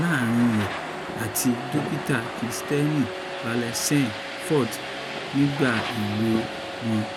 láàrin ẹ̀ àti Dókítà Christine Blasey Ford nígbà èwe wọn.